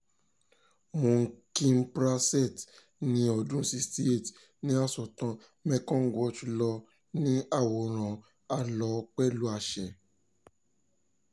Mun Kimprasert, ẹni ọdún 68. ni asọ̀tàn, Mekong Watch ló ni àwòrán, a lò ó pẹ̀lú àṣẹ.